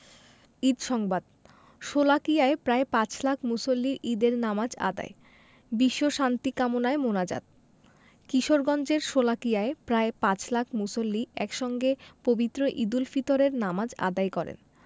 ঈদ সংবাদ শোলাকিয়ায় প্রায় পাঁচ লাখ মুসল্লির ঈদের নামাজ আদায় বিশ্বশান্তি কামনায় মোনাজাত কিশোরগঞ্জের শোলাকিয়ায় প্রায় পাঁচ লাখ মুসল্লি একসঙ্গে পবিত্র ঈদুল ফিতরের নামাজ আদায় করেন